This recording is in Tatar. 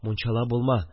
Мунчала булма